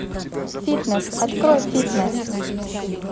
фитнес открой фитнес